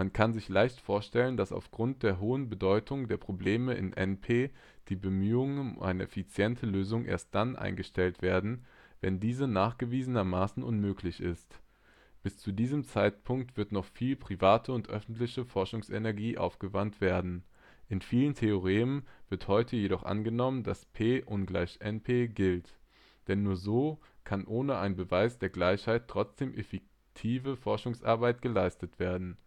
kann sich leicht vorstellen, dass aufgrund der hohen Bedeutung der Probleme in NP die Bemühungen um eine effiziente Lösung erst dann eingestellt werden, wenn diese nachgewiesenermaßen unmöglich ist. Bis zu diesem Zeitpunkt wird noch viel private und öffentliche Forschungsenergie aufgewandt werden. In vielen Theoremen wird heute jedoch angenommen, dass P ≠ NP gilt, denn nur so kann ohne einen Beweis der Gleichheit trotzdem effektive Forschungsarbeit geleistet werden